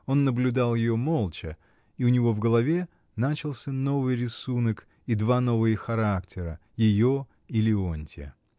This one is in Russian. Он наблюдал ее молча, и у него в голове начался новый рисунок и два новые характера, ее и Леонтья.